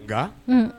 Nka